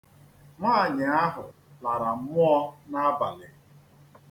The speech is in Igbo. Nwaanyị ahụ lara mmụọ n'abalị.